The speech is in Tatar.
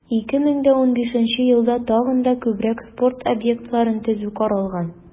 2015 елда тагын да күбрәк спорт объектларын төзү каралган.